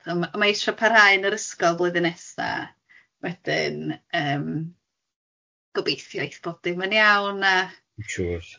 Yym mae isio parhau yn yr ysgol flwyddyn nesa wedyn yym gobeithio eith bod dim yn iawn a... Dwi'n siŵr.